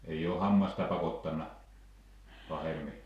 ei ole hammasta pakottanut pahemmin